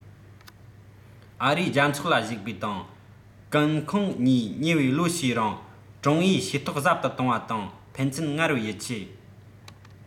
ཨ རིའི རྒྱལ ཚོགས ལ ཞུགས པའི དང ཀུན ཁང གཉིས ཉེ བའི ལོ ཤས རིང ཀྲུང ཨའི ཤེས རྟོགས ཟབ ཏུ གཏོང བ དང ཕན ཚུན སྔར བས ཡིད ཆེས